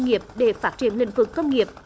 nghiệp để phát triển lĩnh vực công nghiệp